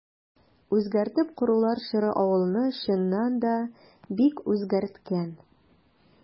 Үзгәртеп корулар чоры авылны, чыннан да, бик үзгәрткән.